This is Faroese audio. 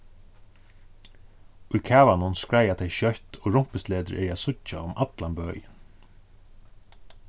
í kavanum skreiða tey skjótt og rumpusletur eru at síggja um allan bøin